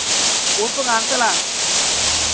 bốn phương án sẽ là